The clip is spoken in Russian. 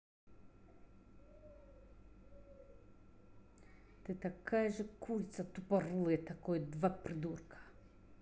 ты такая же курица тупорылая такое два придурка